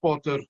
bod yr